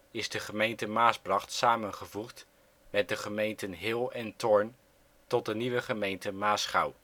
is de gemeente Maasbracht samengevoegd met de gemeenten Heel en Thorn tot de nieuwe gemeente Maasgouw